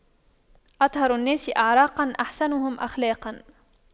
أطهر الناس أعراقاً أحسنهم أخلاقاً